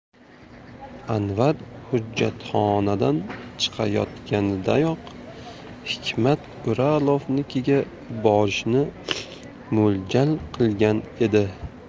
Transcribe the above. anvar hujjatxonadan chiqayotganidayoq hikmat o'rolovnikiga borishni mo'ljal qilgan edi